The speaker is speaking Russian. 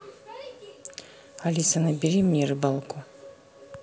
алиса набери мне рыбалку